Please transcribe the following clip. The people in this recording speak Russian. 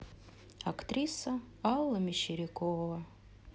актриса алла мещерякова